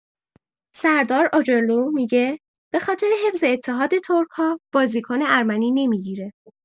سردار آجرلو می‌گه به‌خاطر حفظ اتحاد ترک‌ها بازیکن ارمنی نمی‌گیره!